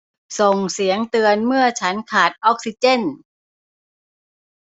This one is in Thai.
ส่งเสียงเตือนเมื่อฉันขาดออกซิเจน